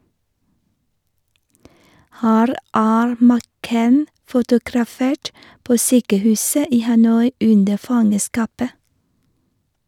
Her er McCain fotografert på sykehuset i Hanoi under fangenskapet.